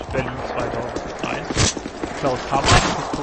der Zeit des